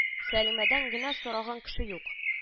Сәлимәдән генә сораган кеше юк